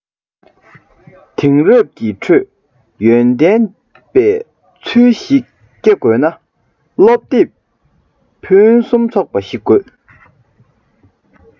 དུས རབས ཀྱི ཁྲོད ཡོན ཏན པའི ཚུལ ཞིག སྐྱེད དགོས ན སློབ དེབ ཕུན སུམ ཚོགས པ ཞིག དགོས